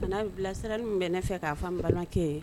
Bilasira min bɛn ne fɛ k'a fɔ n balimakɛ ye